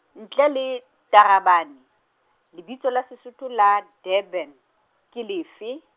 ntle le, Tarabane, lebitso la Sesotho la, Durban, ke lefe?